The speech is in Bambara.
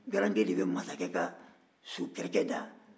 garankɛ de bɛ massakɛ ka sokɛrɛkɛ dan